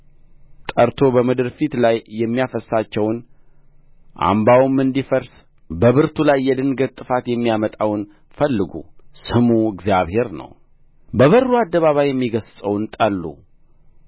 ጠርቶ በምድር ፊት ላይ የሚያፈስሳቸውን አምባውም እንዲፈርስ በብርቱ ላይ የድንገት ጥፋት የሚያመጣውን ፈልጉ ስሙ እግዚአብሔር ነው በበሩ አደባባይ የሚገሥጸውን ጠሉ